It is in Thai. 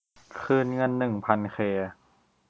คืนเงินหนึ่งพันเค